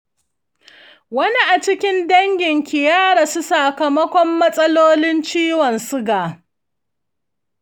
wani a cikin danginki ya rasu sakamakon matsalolin ciwon suga?